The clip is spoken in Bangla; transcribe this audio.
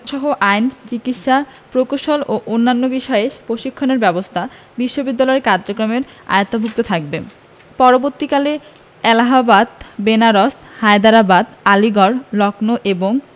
সহ আইন চিকিৎসা প্রকৌশল ও অন্যান্য বিষয়ে প্রশিক্ষণের ব্যবস্থা বিশ্ববিদ্যালয়ের কার্যক্রমের আওতাভুক্ত থাকবে পরবর্তীকালে এলাহাবাদ বেনারস হায়দারাবাদ আলীগড় লক্ষ্ণৌ এবং